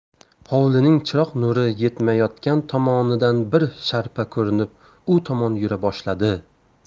hovlining chiroq nuri yetmayotgan tomonidan bir sharpa ko'rinib u tomon yura boshladi